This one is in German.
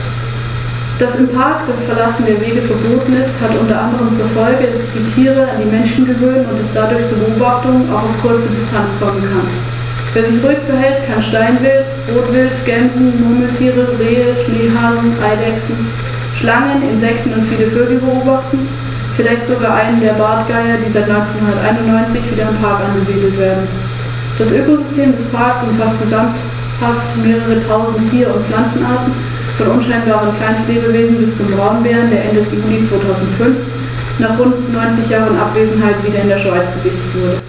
Im Zweiten Punischen Krieg gelang es dem karthagischen Strategen Hannibal beinahe, Rom in die Knie zu zwingen, wobei als Kriegsgrund die Belagerung und Eroberung der griechischen Kolonie Saguntum durch Hannibal diente, die mit Rom „verbündet“ war.